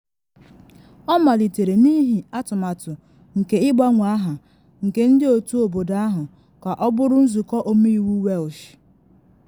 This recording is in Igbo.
Ọ malitere n’ihi atụmatụ nke ịgbanwe aha nke ndị otu obodo ahụ ka ọ bụrụ Nzụkọ Omeiwu Welsh.